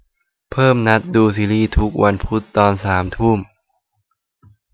เพิ่มนัดดูซีรีย์ทุกวันพุธตอนสามทุ่ม